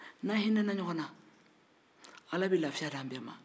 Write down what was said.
n'an hinena ɲɔgɔn na ala be lafiya di an bɛɛ ma